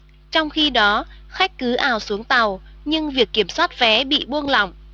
trong khi đó khách cứ ào xuống tàu nhưng việc kiểm soát vé bị buông lỏng